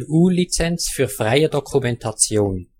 GNU Lizenz für freie Dokumentation